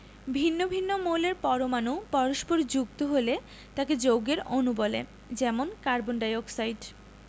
ভিন্ন ভিন্ন মৌলের পরমাণু পরস্পর যুক্ত হলে তাকে যৌগের অণু বলে যেমন কার্বন ডাই অক্সাইড